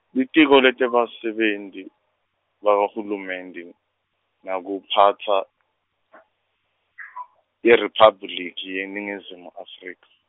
Litiko leTebasebenti baHulumende n-, nekuPhatsa , IRiphabliki yeNingizimu Afrika.